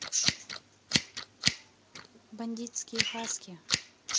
бандитские хаски